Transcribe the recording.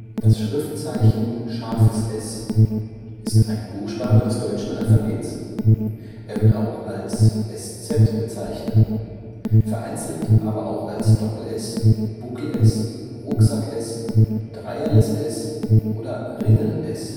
ẞß Der Buchstabe ß in verschiedenen Schrifttypen ſ, s, ſs und ſʒ in der Reichsmatrikel der zehn Reichskreise von 1532 (Wikisource) Das Schriftzeichen ß ist ein Buchstabe des deutschen Alphabets. Er wird als Eszett [ɛsˈt͜sɛt] oder scharfes S bezeichnet, vereinzelt aber auch als „ Doppel-S “,„ Buckel-S “,„ Rucksack-S “,„ Dreierles-S “oder „ Ringel-S “. Das ß